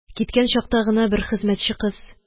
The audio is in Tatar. Киткән чакта гына бер хезмәтче кыз: